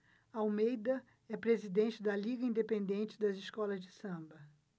almeida é presidente da liga independente das escolas de samba